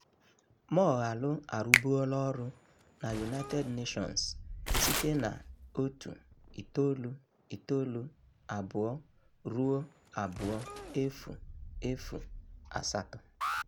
Moghalu arụbuola ọrụ na United Nations site na 1992 ruo 2008.